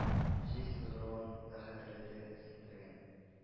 Җил сызгыруын да хәтерләтә сеңдергән